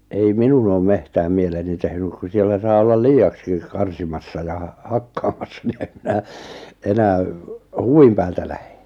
ei minun ole metsään mieleni tehnyt kun siellä saa olla liiaksikin karsimassa ja hakkaamassa niin en minä enää huvin päältä lähde